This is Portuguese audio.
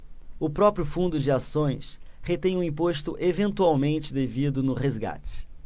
o próprio fundo de ações retém o imposto eventualmente devido no resgate